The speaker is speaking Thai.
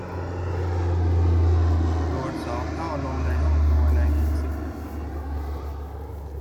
ตรวจสอบท่อลมในห้องครัวในอีกสิบนาที